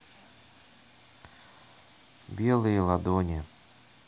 белые ладони